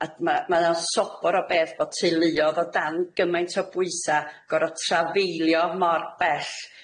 A- ma' ma' o'n sobor o beth bo' teuluodd o dan gymaint o bwysa gor'o' trafeilio mor bell